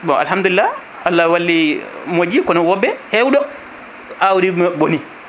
bon alhamdulilah Allah walli moƴƴi kono woɓɓe hewɗo awdi mabɓe boni